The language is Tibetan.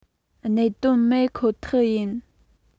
གནད དོན མེད ཁོ ཐག ཡིན